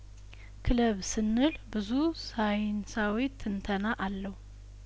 ክለብ ስንል ብዙ ሳይንሳዊ ትንተና አለው